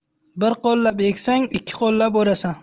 bir qo'llab eksang ikki qo'llab o'rasan